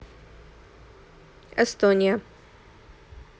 эстония